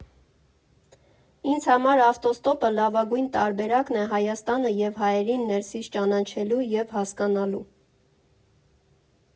Ինձ համար ավտոստոպը լավագույն տարբերակն է Հայաստանը և հայերին ներսից ճանաչելու և հասկանալու։